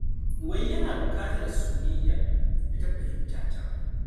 Wai yana bukatar soyayya ta da fahimta ta.